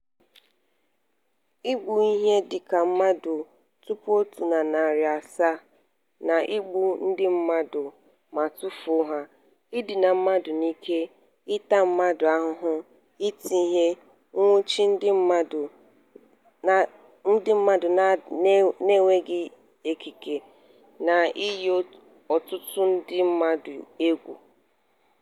Igbu ihe dịka mmadụ 1,700 na igbu ndị mmadụ ma tufuo ha, idina mmadụ n'ike, ịta mmadụ ahụhụ, iti ihe, nwụchi ndị mmadụ n'enweghị ikike, na iyi ọtụtụ ndị mmadụ egwu.